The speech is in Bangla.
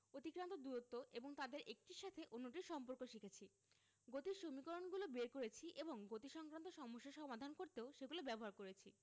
অতিক্রান্ত দূরত্ব এবং তাদের একটির সাথে অন্যটির সম্পর্ক শিখেছি গতির সমীকরণগুলো বের করেছি এবং গতিসংক্রান্ত সমস্যা সমাধান করতে ও সেগুলো ব্যবহার করেছি